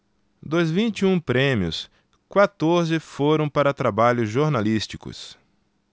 dos vinte e um prêmios quatorze foram para trabalhos jornalísticos